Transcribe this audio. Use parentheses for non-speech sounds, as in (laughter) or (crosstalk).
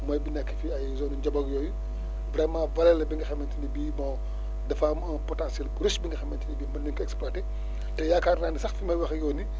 mooy bu nekk fii ay zone nu Diabog yooyu (breath) vraiment vallée la bi nga xamante ne bii bon dafa am un potentiel bu riche bi nga xamante ne bii mën nañu ko exploiter (breath) te yaakaar naa ne sax fi may wax ak yow nii